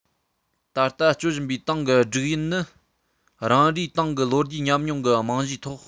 ད ལྟ སྤྱོད བཞིན པའི ཏང གི སྒྲིག ཡིག ནི རང རེའི ཏང གི ལོ རྒྱུས ཉམས མྱོང གི རྨང གཞིའི ཐོག